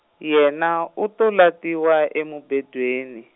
yena u to latiwa emubedweni.